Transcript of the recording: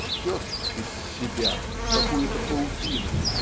а ткет из себя какую-то паутину